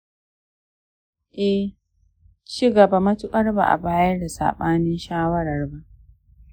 eh, cigaba matuƙar ba'a bayar da saɓanin shawarar ba